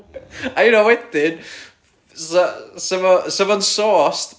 a hyd yn oed wedyn 'sa 'sa fo 'sa fo'n sourced